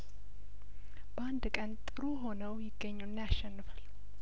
በአንድ ቀን ጥሩ ሆነው ይገኙና ያሸንፋል